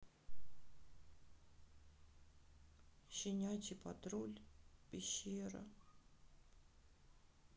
щенячий патруль пещера